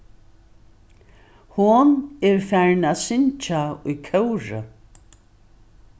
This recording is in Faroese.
hon er farin at syngja í kóri